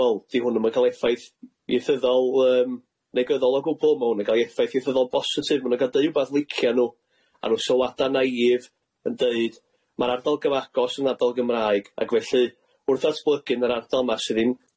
wel di hwnnw'm yn ca'l effaith ieithyddol yym negyddol o gwbwl ma' hwn yn ga'l ei effaith ieithyddol bositif ma' nw'n ga'l deu' wbath licia n'w a n'w sylwada naïf yn deud ma'r ardal gyfagos yn ardal Gymraeg ag felly wrth ddatblygu yn yr ardal ma' sydd ddim